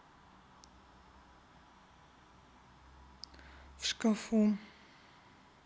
в шкафу